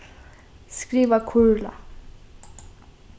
skriva kurla